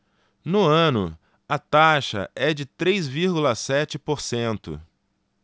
no ano a taxa é de três vírgula sete por cento